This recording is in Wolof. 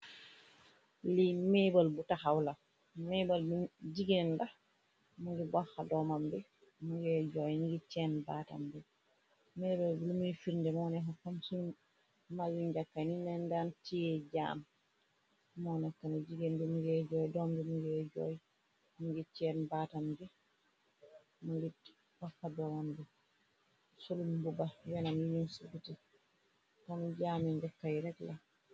Lii maybal bu taxaw la maybal bu jigeen da mungi bafxa doomam bi munge jooy ñngi ceen baatam bi maybal lumuy firnde moo nekafam su malu njàkkay ni neen daan cie jaam moo neka ni jigéen bi mingee jooy doombi mingee jooy ngi ceen baatam ngi bafxa doomam bi sulum bu ba yonam yuñu sibuti tom jaami njokkay rekk la.